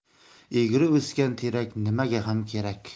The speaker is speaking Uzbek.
egri o'sgan terak nimaga ham kerak